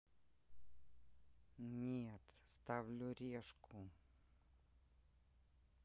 нет ставлю решку